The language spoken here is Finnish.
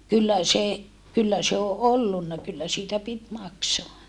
kyllä se kyllä se on ollut kyllä siitä piti maksaa